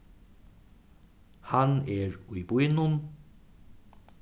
hann er í býnum